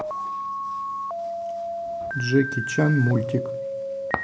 джеки чан мультик